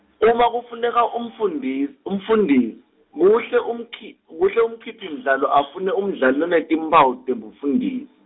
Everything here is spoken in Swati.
uma kufuneka umfundi- umfundisi, kuhle umkhi-, kuhle umkhiphimdlalo afune umdlali lonetimbawu tebufundisi.